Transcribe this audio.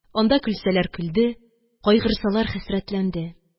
Анда көлсәләр – көлде, кайгырсалар – хәсрәтләнде.